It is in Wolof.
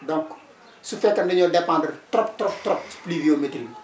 donc su fekkee ne dañoo dépendre trop trop trop ci pluviométrie bi